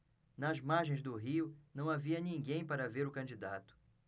nas margens do rio não havia ninguém para ver o candidato